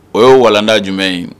O ye walanda jumɛn ye?